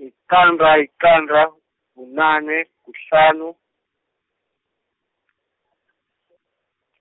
yiqanda yiqanda, bunane, kuhlanu,